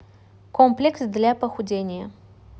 комплекс для похудения